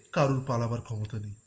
কারুর পালাবার ক্ষমতা নেই